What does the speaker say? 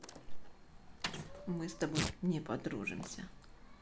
мы с тобой не подружимся